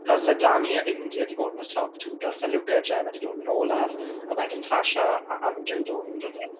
Dylse Dami a India 'di bod yn y top two, dylse Luca a Gemma 'di dod yn olaf, a wedyn Tasha a Andrew dod yn drydydd.